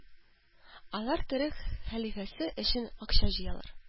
Алар төрек хәлифәсе өчен акча җыялар